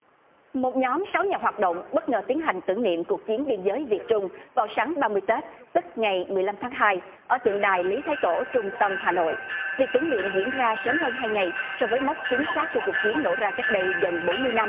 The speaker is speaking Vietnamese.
một nhóm sáu nhà hoạt động bất ngờ tiến hành tưởng niệm cuộc chiến biên giới việt trung vào sáng ba mươi tết tức ngày mười lăm tháng hai ở tượng đài lý thái tổ trung tâm hà nội việc tưởng niệm diễn ra sớm hơn hai ngày so với mốc chính xác của cuộc chiến nổ ra cách đây gần bốn mươi năm